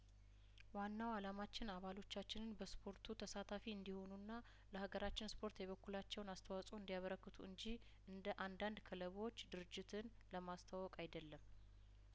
ዋናው አላማችን አባሎቻችንን በስፖርቱ ተሳታፊ እንዲሆኑና ለሀገራችን ስፖርት የበኩላቸውን አስተዋጽኦ እንዲያበረክቱ እንጂ እንደ አንዳንድ ክለቦች ድርጅትን ለማስተዋወቅ አይደለም